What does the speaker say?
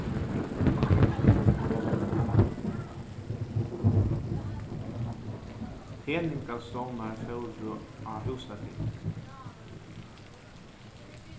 peningastovnar fóru á húsagang